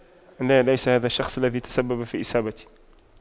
لا ليس هذا الشخص الذي تسبب في إصابتي